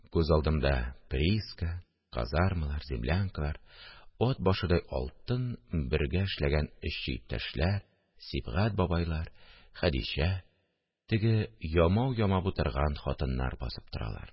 Күз алдымда прииска, казармалар, землянкалар, «ат башыдай алтын», бергә эшләгән эшче иптәшләр, Сибгать бабайлар, Хәдичә, теге ямау ямап утырган хатыннар басып торалар